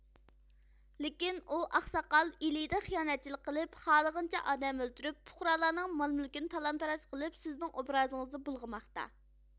لېكىن ئۇ ئاقساقال ئىلىدا خىيانەتچىلىك قىلىپ خالىغىنىچە ئادەم ئۆلتۈرۈپ پۇقرالارنىڭ مال مۈلكىنى تالان تاراج قىلىپ سىزنىڭ ئوبرازىڭىزنى بۇلغىماقتا